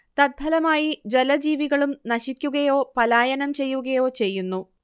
തത്ഫലമായി ജലജീവികളും നശിക്കുകയോ പലായനം ചെയ്യുകയോ ചെയ്യുന്നു